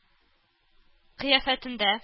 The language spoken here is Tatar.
Кыяфәтендә